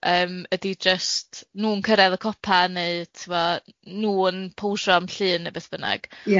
yym ydy jyst nhw'n cyrradd y copa neu tibod nw yn powsho am llun neu beth bynnag.